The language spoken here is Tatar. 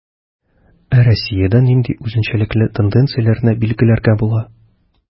Ә Россиядә нинди үзенчәлекле тенденцияләрне билгеләргә була?